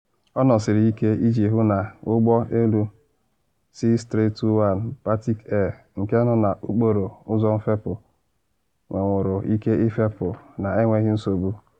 Ọ nọsiri ike iji hụ na Ụgbọ Elu 6321 Batik Air, nke nọ n’okporo ụzọ mfepụ, nwenwuru ike ịfepụ na enweghị nsogbu.